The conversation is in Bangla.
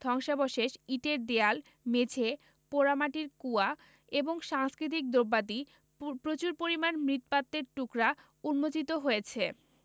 ধ্বংসাবশেষ ইটের দেয়াল মেঝে পোড়ামাটির কুয়া এবং সাংষ্কৃতিক দ্রব্যাদি প্রচুর পরিমাণ মৃৎপাত্রের টুকরা উন্মোচিত হয়েছে